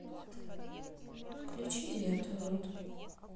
включи девятую роту